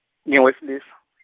ngingowesilisa .